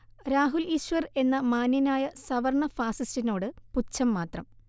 രാഹുൽ ഈശ്വർ എന്ന മാന്യനായ സവർണ്ണ ഫാസിസ്റ്റ്നോട് പുച്ഛം മാത്രം